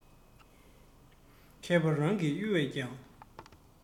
མཁས པ རང གི ཡུལ བས ཀྱང